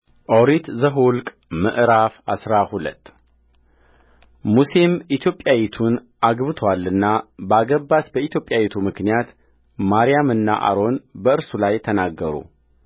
ኦሪት ዘኍልቍ ምዕራፍ አስራ ሁለት ሙሴም ኢትዮጵያይቱን አግብቶአልና ባገባት በኢትዮጵያይቱ ምክንያት ማርያምና አሮን በእርሱ ላይ ተናገሩ